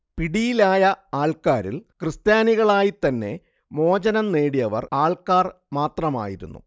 പിടിയിലായ ആൾക്കാരിൽ ക്രിസ്ത്യാനികളായിത്തന്നെ മോചനം നേടിയവർ ആൾക്കാർ മാത്രമായിരുന്നു